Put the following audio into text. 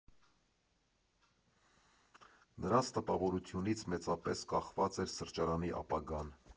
Նրանց տպավորությունից մեծապես կախված էր սրճարանի ապագան։